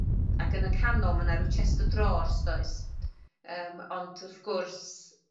Ac yn y canol ma' 'na ryw chest of drawers does? Yym ond wrth gwrs